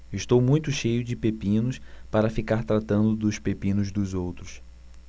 estou muito cheio de pepinos para ficar tratando dos pepinos dos outros